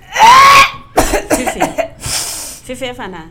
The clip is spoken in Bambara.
Sife fana